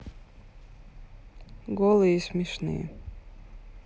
голые и смешные